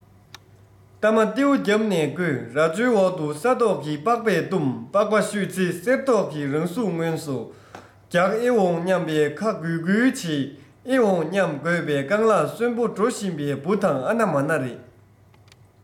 སྟ མ སྟེའུ བརྒྱབ ནས བརྐོས རྭ ཅོའི འོག ཏུ ས མདོག གིས པགས པས བཏུམས པགས པ བཤུས ཚེ གསེར མདོག གི རང གཟུགས མངོན སོ རྒྱག ཨེ འོང སྙམ པའི ཁ འགུལ འགུལ བྱེད ཨེ འོང སྙམ དགོས པའི རྐང ལག གསོན པོ འགྲོ བཞིན པའི འབུ དང ཨ ན མ ན རེད